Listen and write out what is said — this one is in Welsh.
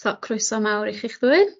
So croeso mawr i chi'ch ddwy.